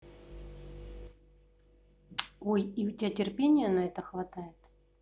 ой и у тебя терпение на это хватает